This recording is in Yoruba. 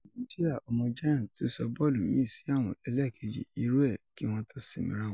Àmọ́ Dwyer, ọmọ Giants, tún sọ bọ́ọ̀lù míì sí àwọ̀n -ẹlẹ́kèjì irú ẹ̀ - kí wọ́n tó sinmi ráńpé.